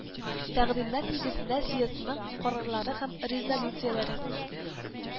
Тәкъдимнәр нигезендә съездның карарлары һәм резолюцияләре